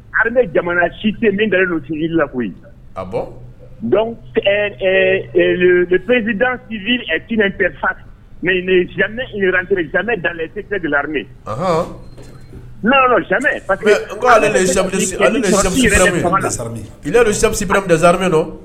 Alere jamana site min si la koyidmɛreme n'si darime don